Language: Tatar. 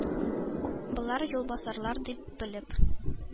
Болар юлбасарлардыр дип белеп,